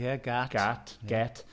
Ie, gât... Gât, gêt.